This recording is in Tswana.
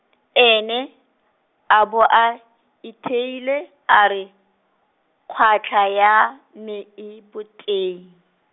ene a bo a itheile a re kgwatlha ya me e boteng.